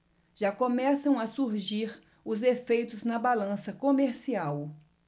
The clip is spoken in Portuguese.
já começam a surgir os efeitos na balança comercial